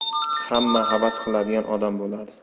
hamma havas qiladigan odam bo'ladi